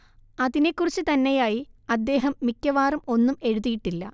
അതിനെക്കുറിച്ച് തന്നെയായി അദ്ദേഹം മിക്കവാറും ഒന്നും എഴുതിയിട്ടില്ല